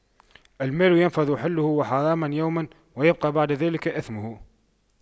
المال ينفد حله وحرامه يوماً ويبقى بعد ذلك إثمه